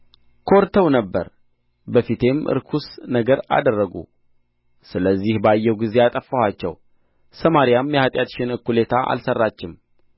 ኰርተው ነበር በፊቴም ርኩስ ነገር አደረጉ ስለዚህ ባየሁ ጊዜ አጠፋኋቸው ሰማርያም የኃጢአትሽን እኵሌታ አልሠራችም